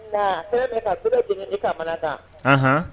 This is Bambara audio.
Ka jigin ni kamanata